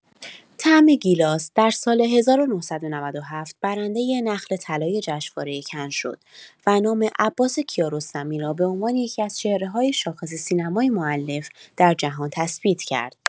«طعم گیلاس» در سال ۱۹۹۷ برندۀ نخل طلای جشنوارۀ کن شد و نام عباس کیارستمی را به عنوان یکی‌از چهره‌های شاخص سینمای مؤلف در جهان تثبیت کرد.